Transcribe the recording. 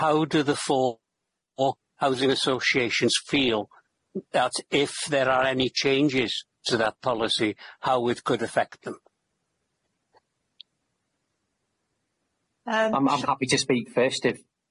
How do the four housing association feel that if there are any changes to that policy, how it could affect them? Yym... I'm I'm 'm happy to speak first...